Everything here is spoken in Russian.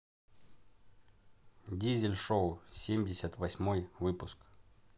дизель шоу семьдесят восьмой выпуск